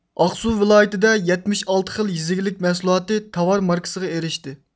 ئاقسۇ ۋىلايىتىدە يەتمىش ئالتە خىل يېزا ئىگىلىك مەھسۇلاتى تاۋار ماركىسىغا ئېرىشتى